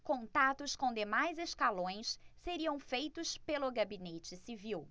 contatos com demais escalões seriam feitos pelo gabinete civil